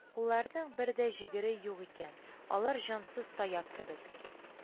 Кулларның бер дә җегәре юк икән, алар җансыз таяк кебек